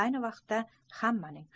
ayni vaqtda hammaning